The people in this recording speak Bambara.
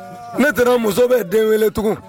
Ne tɛna muso bɛ den weele tugun